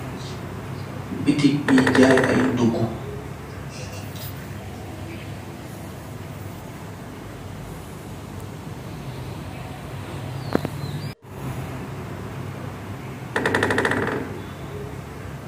Bitik bii jaay ay ndugu.